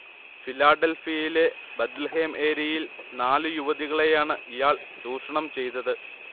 ഫിലാഡൽഫിയയിലെ Bethlehem ഏരിയയിൽ നാലു യുവതികളെയാണ് ഇയാൾ ചൂഷണം ചെയ്തത്